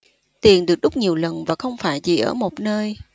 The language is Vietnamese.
tiền được đúc nhiều lần và không phải chỉ ở một nơi